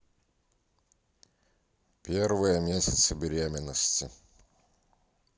первые месяцы беременности